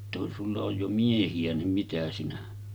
jotta kun sinulla on jo miehiä niin mitä sinä